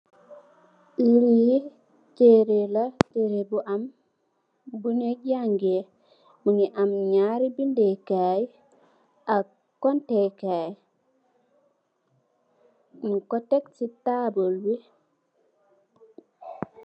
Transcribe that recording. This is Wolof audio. Teere yi Teere la téere bu am lu nyoi jange munge am ñyaari bende kaye ak contekaaye nungko tek ci tabol bi.